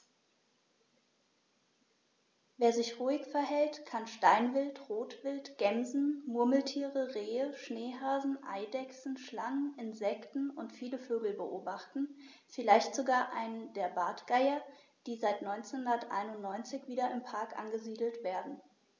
Wer sich ruhig verhält, kann Steinwild, Rotwild, Gämsen, Murmeltiere, Rehe, Schneehasen, Eidechsen, Schlangen, Insekten und viele Vögel beobachten, vielleicht sogar einen der Bartgeier, die seit 1991 wieder im Park angesiedelt werden.